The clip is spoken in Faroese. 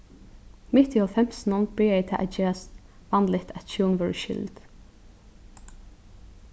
mitt í hálvfemsunum byrjaði tað at gerast vanligt at hjún vórðu skild